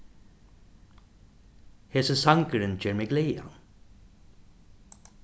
hesin sangurin ger meg glaðan